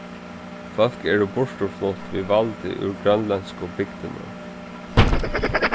fólk eru burturflutt við valdi úr grønlendsku bygdini